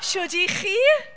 shwt 'y chi?